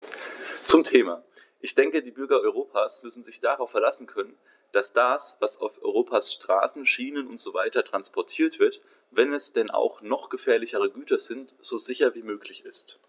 Zum Thema: Ich denke, die Bürger Europas müssen sich darauf verlassen können, dass das, was auf Europas Straßen, Schienen usw. transportiert wird, wenn es denn auch noch gefährliche Güter sind, so sicher wie möglich ist.